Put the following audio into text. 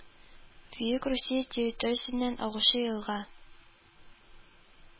Вьюг Русия территориясеннән агучы елга